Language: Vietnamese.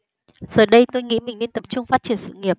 giờ đây tôi nghĩ mình nên tập trung phát triển sự nghiệp